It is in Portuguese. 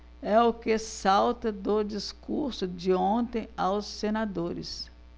é o que salta do discurso de ontem aos senadores